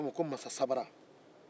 a bɛ fɔ o ma ko masasabara